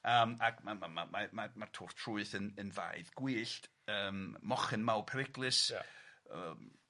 Yym ac ma' ma' ma' mae mae'r twrch trwyth yn yn faedd gwyllt yym mochyn mawr periglus. Ia. Yym.